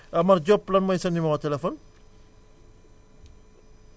Amar Diop lan mooy sa numéro téléphone